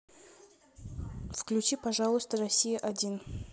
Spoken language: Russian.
включи пожалуйста россия один